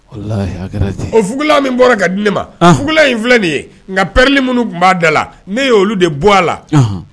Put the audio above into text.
Walahi a kɛra ten, o fugula min bɔra ka di ne ma fugula in filɛ nin ye nka perles minnu tun b'a da la ne ye olu de bɔ a la, anhan